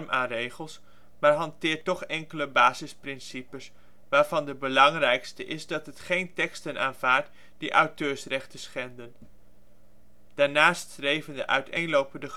aan regels, maar hanteert toch enkele basisprincipes, waarvan de belangrijkste is dat het geen teksten aanvaardt die auteursrechten schenden. Daarnaast streven de uiteenlopende